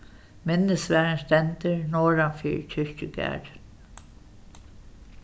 minnisvarðin stendur norðanfyri kirkjugarðin